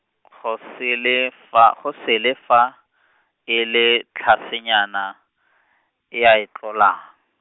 go sele fa, go se le fa , e le, tlhasenyana , e a e tlolang.